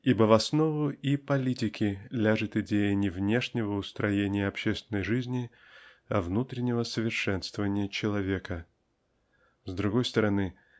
Ибо в основу и политики ляжет идея не внешнего устроения общественной жизни а внутреннего совершенствования человека. А с другой стороны